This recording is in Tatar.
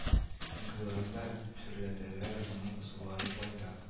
Иң кыюларын да шүрләтәләр моның ысуллары байтак